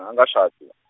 angashadi.